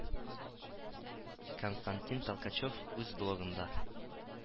Константин Толкачев үз блогында